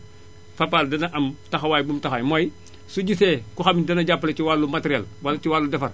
Fapal dana am taxawaay bu mu taxawee mooy su gisee ku xam ne dalay jàppale si wàllu matériel wala si wàllu defar